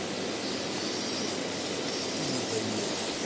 ты надоел